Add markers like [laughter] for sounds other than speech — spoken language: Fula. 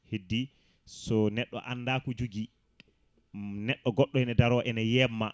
heddi so neɗɗo anda ko jogui [smacks lips] [hesitation] neɗɗo goɗɗo ene daro ene yebma